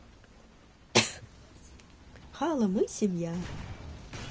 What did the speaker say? halo мы семья